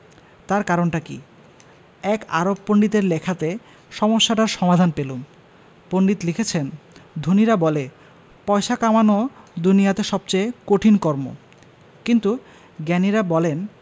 তার কারণটা কি এক আরব পণ্ডিতের লেখাতে সমস্যাটার সমাধান পেলুম পণ্ডিত লিখেছেন ধনীরা বলে পয়সা কামানো দুনিয়াতে সবচেয়ে কঠিন কর্ম কিন্তু জ্ঞানীরা বলেন